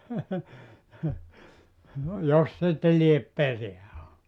jos sitten lie perää ollut